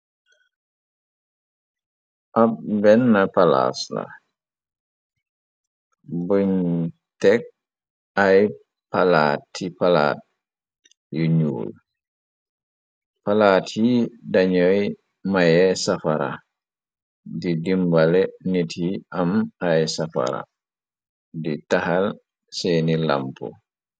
ab benn palaas la buñ tekk ay palaati palaat yu ñuul palaat yi dañuy maye safara di dimbale nit yi am ay safara di taxal seeni lamp